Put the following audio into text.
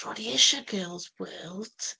Ro'n i isie Girls' World!